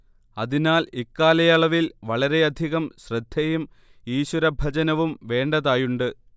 അതിനാൽ ഇക്കാലയളവിൽ വളരെയധികം ശ്രദ്ധയും ഈശ്വരഭജനവും വേണ്ടതായുണ്ട്